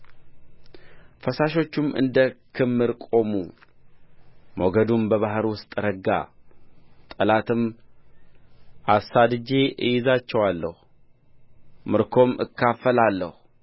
ፈሳሾቹም እንደ ክምር ቆሙ ሞገዱም በባሕር ውስጥ ረጋ ጠላትም አሳድጄ እይዛቸዋለሁ ምርኮም እካፈላለሁ